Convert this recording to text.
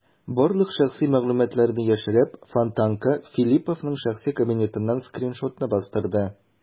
Барлык шәхси мәгълүматларны яшереп, "Фонтанка" Филипповның шәхси кабинетыннан скриншотны бастырды.